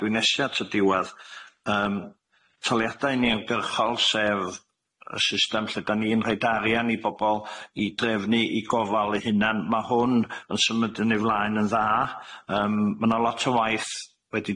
dwi nesia tydiwadd yym toliadau ni yn gyrchol sef y system lle ga'n ni'n rhoid arian i bobol i drefnu i gofal eu hunan ma' hwn yn symud yn ei flaen yn dda yym ma' na lot o waith wedi